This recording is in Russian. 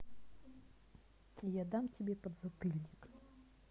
я дам тебе подзатыльник